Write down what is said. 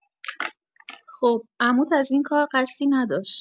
خب، عموت از این کار قصدی نداشت.